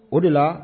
O de la